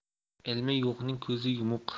ilmi yo'qning ko'zi yumuq